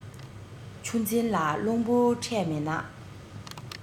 ཆུ འཛིན ལ རླུང བུ འཕྲད མེད ན